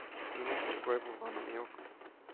Минем сукбай булганым юк